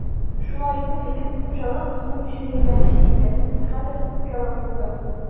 Шулай итеп, элек бу хуҗалык безнең өчен ярдәмче иде, ә хәзер төп хуҗалык булды.